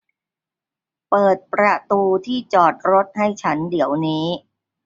เปิดประตูที่จอดรถให้ฉันเดี๋ยวนี้